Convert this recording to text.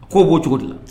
Ko bo cogo de la.